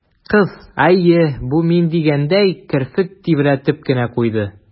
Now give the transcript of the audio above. Кыз, «әйе, бу мин» дигәндәй, керфек тибрәтеп кенә куйды.